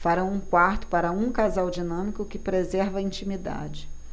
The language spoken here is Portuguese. farão um quarto para um casal dinâmico que preserva a intimidade